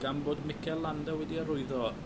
...gan bod Mikel Landa wedi arwyddo